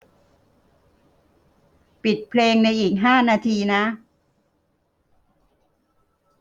ปิดเพลงในอีกห้านาทีนะ